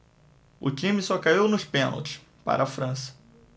o time só caiu nos pênaltis para a frança